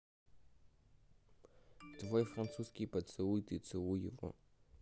твой французский поцелуй ты целуй его